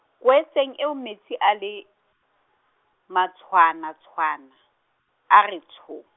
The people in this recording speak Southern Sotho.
kweetseng eo metsi a le, matshwana tshwana, a re tsho.